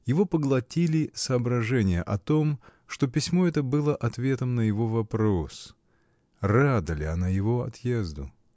Его поглотили соображения о том, что письмо это было ответом на его вопрос: рада ли она его отъезду?